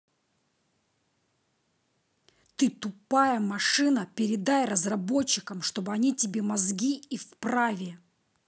ты тупая машина передай разработчикам чтобы они тебе мозги и вправе